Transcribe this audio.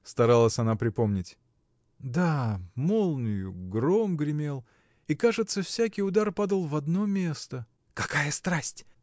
— старалась она припомнить, — да, молнию, гром гремел — и, кажется, всякий удар падал в одно место. — Какая страсть!